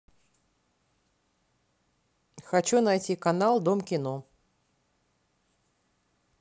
хочу найти канал дом кино